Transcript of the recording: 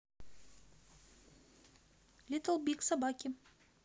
little big собаки